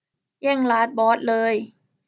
แย่งลาสบอสเลย